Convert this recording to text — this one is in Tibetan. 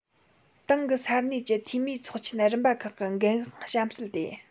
ཏང གི ས གནས ཀྱི འཐུས མིའི ཚོགས ཆེན རིམ པ ཁག གི འགན དབང གཤམ གསལ ཏེ